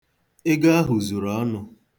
Ego ahụ zuru ọnụ.